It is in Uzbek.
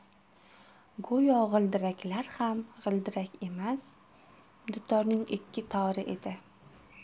go'yo g'ildiraklar ham g'ildirak emas dutorning ikki tori edi